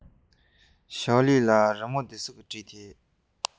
ཞོའོ ལིའི ལགས རི མོ འདི སུས བྲིས སོང ངས